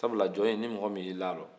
sabula jɔ in ni mɔgɔ min i da la